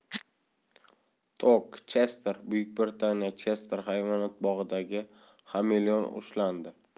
tock chester buyuk britaniya chester hayvonot bog'idagi xameleon ushlandi